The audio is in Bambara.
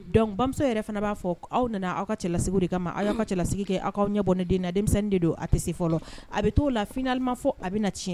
Dɔnku ba yɛrɛ fana b'a fɔ aw nana aw ka cɛlalasigi de kama aw y' ka cɛlalasigi kɛ aw aw ɲɛ bɔɛden na denmisɛnnin de don a tɛ se fɔlɔ a bɛ t'o la finalima fɔ a bɛ na tiɲɛ